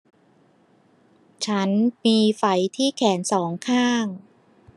ฉันมีไฝที่แขนสองข้าง